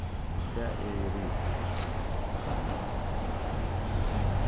tað eri eg við uppá